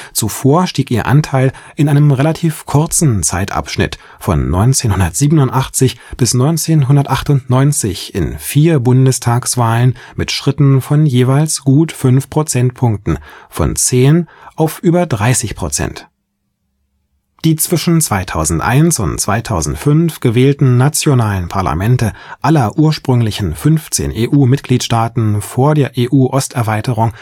Zuvor stieg ihr Anteil in einem relativ kurzen Zeitabschnitt von 1987 bis 1998 in vier Bundestagswahlen mit Schritten von jeweils gut 5 Prozentpunkten von 10 % auf über 30 %. Die zwischen 2001 und 2005 gewählten nationalen Parlamente aller ursprünglichen 15 EU-Mitgliedsstaaten vor der EU-Osterweiterung